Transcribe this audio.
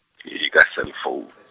ee ka cell phone.